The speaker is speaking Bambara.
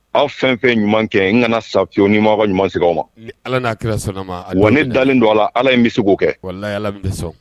Aw fɛn fɛn ɲuman kɛ n kana sa fiye ni mɔgɔ ka ɲumansigi ma ala n wa ne dalen don a la ala in bɛ se k'o kɛ